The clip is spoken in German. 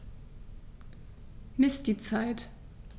Miss die Zeit.